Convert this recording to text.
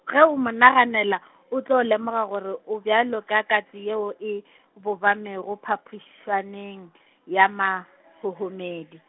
ge o mo naganela, o tlo lemoga gore o bjalo ka katse yeo e, bobamego phaphas- swaneng, ya mahohomedi.